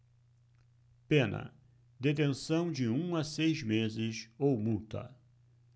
pena detenção de um a seis meses ou multa